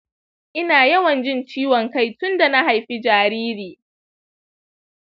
ina yawan jin ciwon kai tunda na haifi jariri